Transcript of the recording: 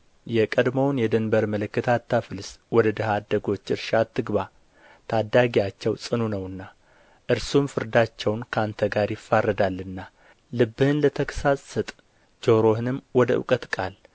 የቀድሞውን የድንበር ምልክት አታፍልስ ወደ ድሀ አደጎች እርሻ አትግባ ታዳጊአቸው ጽኑ ነውና እርሱም ፍርዳቸውን ከአንተ ጋር ይፋረዳልና ልብህን ለተግሣጽ ስጥ ጆሮህንም ወደ እውቀት ቃል